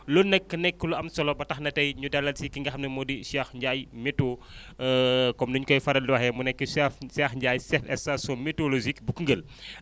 loolu nag nekk lu am solo ba tax na tey ñu dalal si ki nga xam ne moo di Cheikh Ndiaye météo comme ni ñu koy faral di waxee mu nekk chef Cheikh Ndiaye chef station météolrologique bu Koungheul